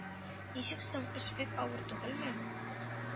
-ничек соң, эш бик авыр түгелме?